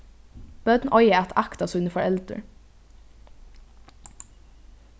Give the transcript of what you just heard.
børn eiga at akta síni foreldur